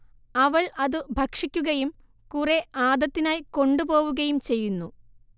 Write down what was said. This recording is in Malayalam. അവൾ അതു ഭക്ഷിക്കുകയും കുറേ ആദത്തിനായി കൊണ്ടുപോവുകയും ചെയ്യുന്നു